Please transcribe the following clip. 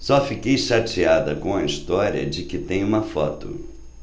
só fiquei chateada com a história de que tem uma foto